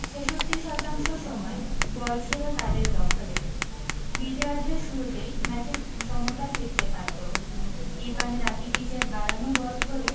৬৬ শতাংশ সময় বল ছিল তাদের দখলে দ্বিতীয়ার্ধের শুরুতেই ম্যাচে সমতা ফিরতে পারত ইভান রাকিতিচের বাড়ানো বল ধরে